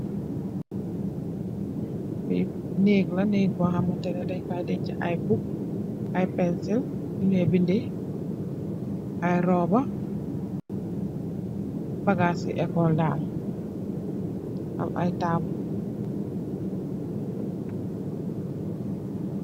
Fii nëëk la, nëëk boo xamante ne dañg fay deñchi buk, ay pensil, yu ñooy bindëy, ay rooba, bagaas i,ecóol daal. Am ay taabul.